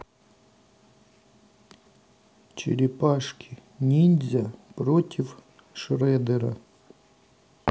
черепашки ниндзя против шредера